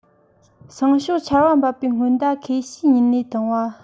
སང ཞོགས ཆར པ འབབ པའི སྔོན བརྡ ཁས གཞེས ཉིན ནས བཏང བ